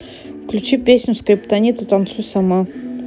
включи песню скриптонита танцуй сама